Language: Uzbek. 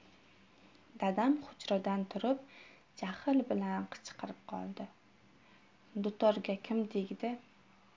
dadam hujradan turib jahl bilan qichqirib qoldi dutorga kim tegdi